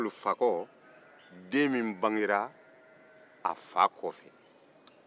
fakɔ ye den min bangera a fa kɔfɛ ye